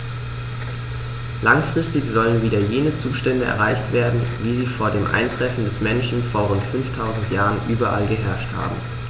Langfristig sollen wieder jene Zustände erreicht werden, wie sie vor dem Eintreffen des Menschen vor rund 5000 Jahren überall geherrscht haben.